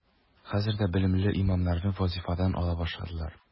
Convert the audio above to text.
Хәзер дә белемле имамнарны вазифадан ала башладылар.